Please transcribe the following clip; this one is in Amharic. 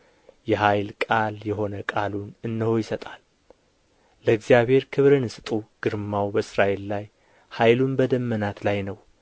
የኃይል ቃል የሆነ ቃሉን እነሆ ይሰጣል ለእግዚአብሔር ክብርን ስጡ ግርማው በእስራኤል ላይ ኃይሉም በደመናት ላይ ነው